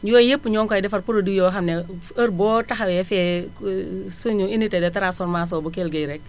yooyu yépp ñoo ngi koy defar produit yoo xam ne heure boo taxawee fee suñu unité de transformation bu Kell Gueye rekk